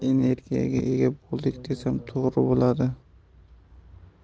energiyaga ega bo'ldik desam to'g'ri bo'ladi